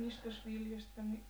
mistäs viljasta -